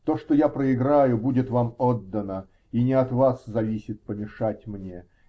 То, что я проиграю, будет вам отдано, и не от вас зависит помешать мне.